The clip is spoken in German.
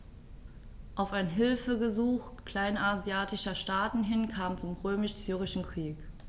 Auf ein Hilfegesuch kleinasiatischer Staaten hin kam es zum Römisch-Syrischen Krieg.